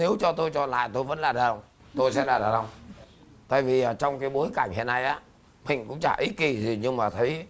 nếu cho tôi cho lại tôi vẫn là đàn tôi sẽ làm đàn ông tại vì ở trong cái bối cảnh hiện nay á mình cũng chả ích kỷ gì nhưng mà thấy